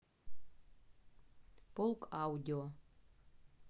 полк аудио